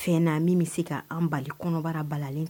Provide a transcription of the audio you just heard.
Fɛn na min bɛ se kaan bali kɔnɔbara balalen